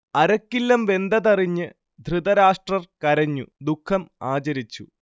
അരക്കില്ലം വെന്തതറിഞ്ഞ് ധൃതരാഷ്ട്രർ കരഞ്ഞു; ദുഃഖം ആചരിച്ചു